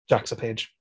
Jaques a Paige.